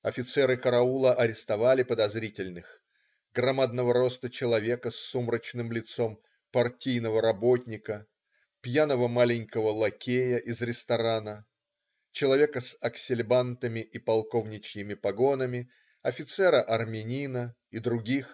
Офицеры караула арестовали подозрительных: громадного роста человека с сумрачным лицом "партийного работника", пьяного маленького лакея из ресторана, человека с аксельбантами и полковничьими погонами, офицера-армянина и др.